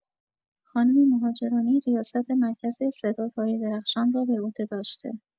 خانم مهاجرانی ریاست مرکز استعدادهای درخشان را به عهده داشته